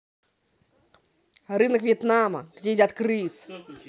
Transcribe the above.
рынок вьетнама где едят крыс